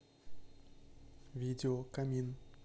видео камин